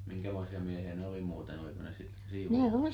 minkämoisia miehiä ne oli muuten oliko ne - siivoja